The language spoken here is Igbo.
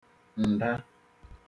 nda